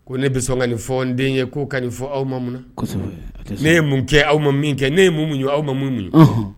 Ko ne bɛ sɔn ka nin fɔ n' den ye ko ka nin fɔ aw ma muna? Kosɛbɛ! A te se, ne ye mun kɛ aw ma min kɛ, ne ye mun muɲun aw ma min muɲun. Onhon.